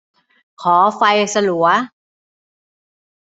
ขอไฟสลัว